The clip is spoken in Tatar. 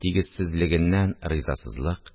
Тигезсезлегеннән ризасызлык